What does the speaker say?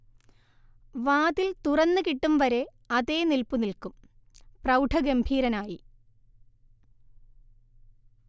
വാതിൽ തുറന്നു കിട്ടും വരെ അതേ നില്പു നിൽക്കും, പ്രൗഢഗംഭീരനായി